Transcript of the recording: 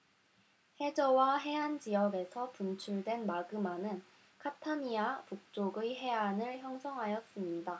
해저와 해안 지역에서 분출된 마그마는 카타니아 북쪽의 해안을 형성하였습니다